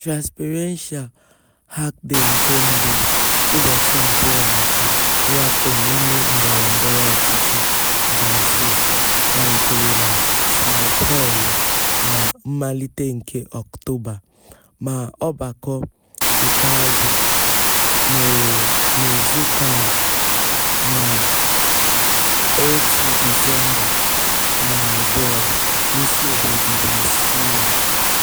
Transparência [Transparency] Hackday nke mbụ, "ụbọchị abụọ maka mwakpo n'ime ndọrọndọrọ ọchịchị Brazil", malitere na São Paulo na mmalite nke Ọktoba, ma ọgbakọ ikpeazụ mere n'izuụka a, na Disemba 1 na 2, n'isiobodo Brasília [pt. ].